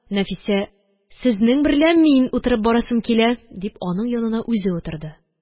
Нәфисә: – Сезнең берлә мин утырып барасым килә, – дип, аның янына үзе утырды